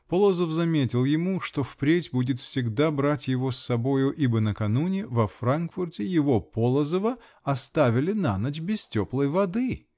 Полозов заметил ему, что впредь будет всегда брать его с собою, ибо, накануне, во Франкфурте, его, Полозова, оставили на ночь без теплой воды!